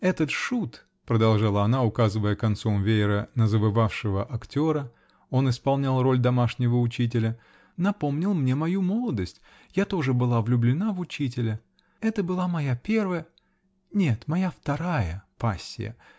Этот шут, -- продолжала она, указывая концом веера на завывавшего актера (он исполнял роль домашнего учителя), -- напомнил мне мою молодость: я тоже была влюблена в учителя. Это была моя первая. нет, моя вторая пассия.